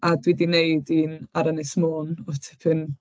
A dwi 'di wneud un ar Ynys Môn oedd tipyn...